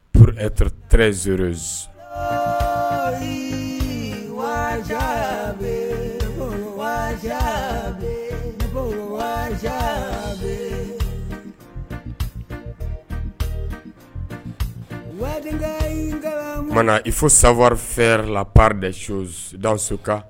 Zz wa waja bɛ waja waliumana i fo sawa la pa de daso kan